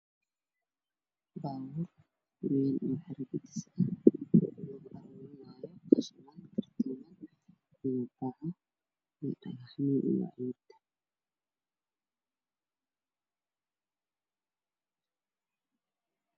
Baabuur weyn oo aragga dhis ah baabuurka wuxuu caro u daadinayaa meel bannaan ah baabuurka midabkiisu waa madow iyo caddaan